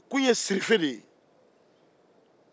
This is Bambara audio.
o tun ye sirife de ye